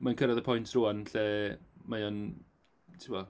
Mae'n cyrraedd y pwynt rŵan lle mae o'n, timod...